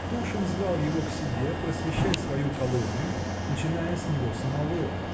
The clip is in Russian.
Тушин звал его к себе, просвещать свою колонию, начиная с него самого.